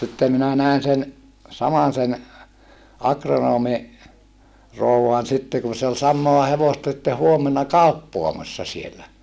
sitten minä näin sen samaisen agronomin rouvan sitten kun se oli samaa hevosta sitten huomenna kauppaamassa siellä